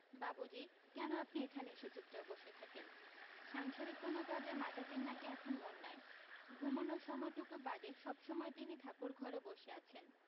বাবুজী কেন আপনি এখানে এসে চুপচাপ বসে থাকেন সাংসারিক কোন কাজে মাতাজীর নাকি এখন মন নাই ঘুমনোর সময়টুকু বাদে সব সময় তিনি ঠাকুরঘরে বসে আছেন